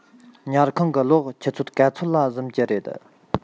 ཉལ ཁང གི གློག ཆུ ཚོད ག ཚོད ལ གཟིམ གྱི རེད